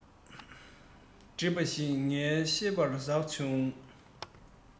གྲིབ མ ཞིག ངའི ཤེས པར ཟགས བྱུང